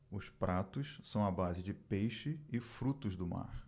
os pratos são à base de peixe e frutos do mar